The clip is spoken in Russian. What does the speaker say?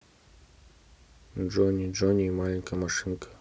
джонни джонни и маленькая машинка